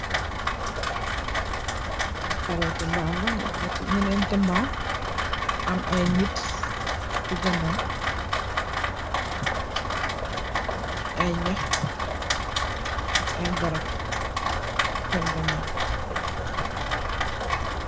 Seretti mbaam la nga ñénti mbaam nga am ay nit ci ganaw ay ñax ay garap sèèn ganaw.